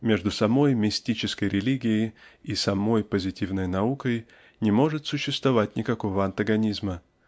Между самой мистической религией и самой позитивной наукой не может существовать никакого антагонизма